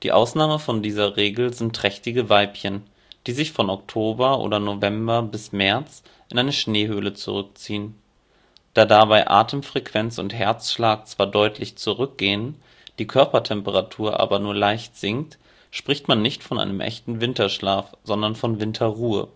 Ausnahme von dieser Regel sind trächtige Weibchen, die sich von Oktober oder November bis März in eine Schneehöhle zurückziehen. Da dabei Atemfrequenz und Herzschlag zwar deutlich zurückgehen, die Körpertemperatur aber nur leicht sinkt, spricht man nicht von einem echten Winterschlaf, sondern von Winterruhe